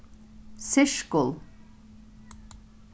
sirkul